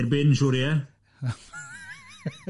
I'r bin, siŵr ie?